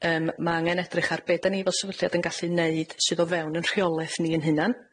Yym, ma' angen edrych ar be' 'dan ni fel sefydliad yn gallu neud sydd o fewn yn rheolaeth ni ein hunan,